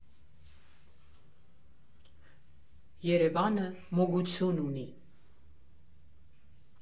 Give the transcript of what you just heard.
Երևանը մոգություն ունի։